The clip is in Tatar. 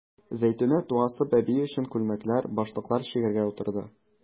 Зәйтүнә туасы бәбие өчен күлмәкләр, башлыклар чигәргә утырды.